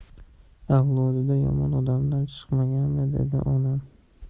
avlodida yomon odamlar chiqmaganmi dedi onam